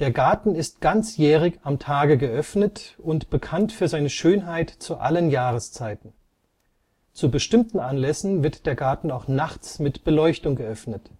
Garten ist ganzjährig am Tage geöffnet und bekannt für seine Schönheit zu allen Jahreszeiten. Zu bestimmten Anlässen wird der Garten auch nachts mit Beleuchtung geöffnet